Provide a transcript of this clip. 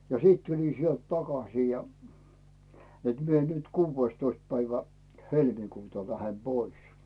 ja sitten tulin sieltä takaisin ja että minä nyt kuudestoista päivä helmikuuta lähden pois